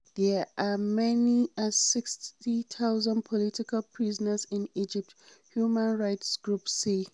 There are as many as 60,000 political prisoners in Egypt, human rights groups say.